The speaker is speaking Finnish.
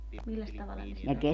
milläs tavalla ne sitä